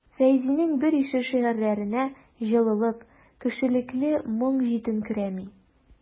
Фәйзинең берише шигырьләренә җылылык, кешелекле моң җитенкерәми.